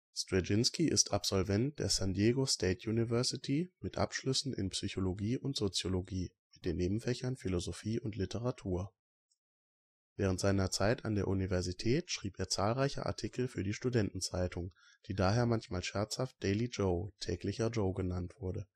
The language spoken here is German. Straczynski ist Absolvent der San Diego State University, mit Abschlüssen in Psychologie und Soziologie (mit den Nebenfächern Philosophie und Literatur). Während seiner Zeit an der Universität schrieb er zahlreiche Artikel für die Studentenzeitung, die daher manchmal scherzhaft " Daily Joe "(" Täglicher Joe ") genannt wurde